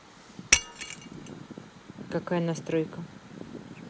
какая настройка